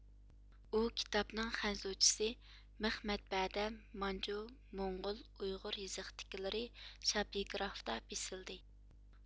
ئۇ كىتاپنىڭ خەنزۇچىسى مىخ مەتبەئەدە مانجۇ موڭغۇل ئۇيغۇر يېزىقتىكىلىرى شاپىگرافتا بېسىلدى